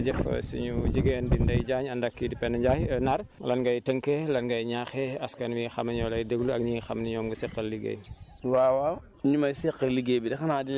jërëjëf Diallo Diagne jërëjëf suñu jigéen bi Ndeye Diagne ànd ak kii di Penda Ndiaye Naar lan ngay tënkee lan ngay ñaaxee askan wi nga xam ne ñoo lay déglu ak ñi nga xam ne ñoom nga seqal liggéey bi